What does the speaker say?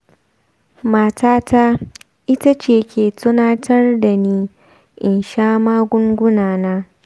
matata ita ce ke tunatar da ni in sha magunguna na.